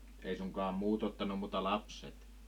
ei suinkaan muut ottanut mutta lapset